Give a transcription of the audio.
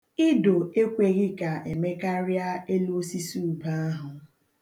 Ido ekweghị ka Emeka rịa elu osisi ube ahụ.